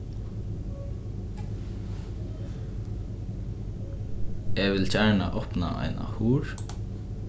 eg vil gjarna opna eina hurð